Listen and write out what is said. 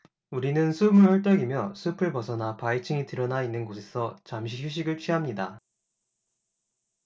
우리는 숨을 헐떡이며 숲을 벗어나 바위층이 드러나 있는 곳에서 잠시 휴식을 취합니다